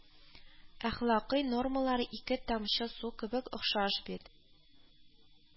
Әхлакый нормалар ике тамчы су кебек охшаш бит